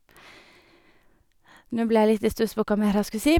Nå ble jeg litt i stuss på hva mer jeg skulle si.